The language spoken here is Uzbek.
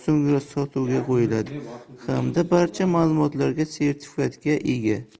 so'ngra sotuvga qo'yiladi hamda barcha mahsulotlar sertifikatga ega